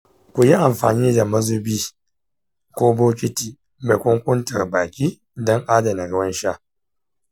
ku yi amfani da mazubai ko bokiti mai kunkuntar baki don adana ruwan sha.